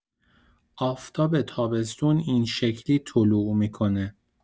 آفتاب تابستون این شکلی طلوع می‌کنه